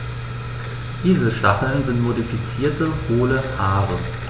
Diese Stacheln sind modifizierte, hohle Haare.